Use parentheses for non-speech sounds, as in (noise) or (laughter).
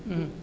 (hesitation) (hesitation)